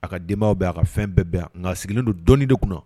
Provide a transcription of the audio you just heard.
A ka denbayaw be yan, a ka fɛn bɛɛ be yan. Nka sigilen don dɔni de kunna.